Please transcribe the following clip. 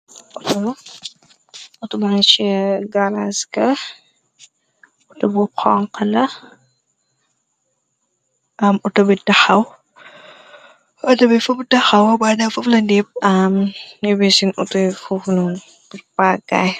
Atubance galaska uto bu xonxlaato bi fub daxawabadafufla ndipp am nibisin utu xulu r paggaay.